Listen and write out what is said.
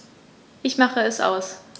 Ich mache es aus.